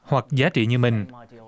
hoặc giá trị như mình